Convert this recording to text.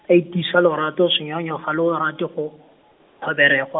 a itisa lorato senyonyo ga lo rate go, kgobere gwa-.